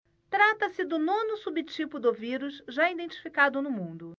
trata-se do nono subtipo do vírus já identificado no mundo